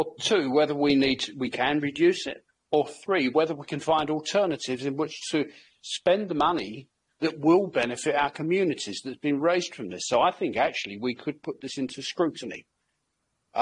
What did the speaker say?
or two whether we need we can reduce it or three whether we can find alternatives in which to spend the money that will benefit our communities that's been raised from this, so I think actually we could put this into scrutiny.